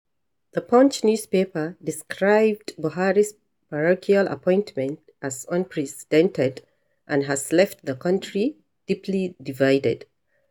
The Punch newspaper described Buhari’s "parochial appointments" as "unprecedented" and has left the country deeply divided.